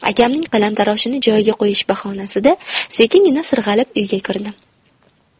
akamning qalamtaroshini joyiga qo'yish bahonasida sekingina sirg'alib uyga kirdim